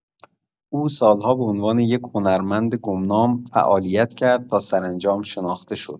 او سال‌ها به عنوان یک هنرمند گمنام فعالیت کرد تا سرانجام شناخته شد.